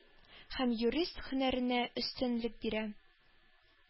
Һәм юрист һөнәренә өстенлек бирә.